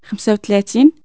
خمسة أو تلاتين